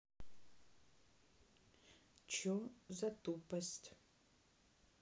че за тупость